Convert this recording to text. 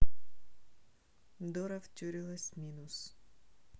дора втюрилась минус